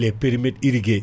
e périmetre uruguay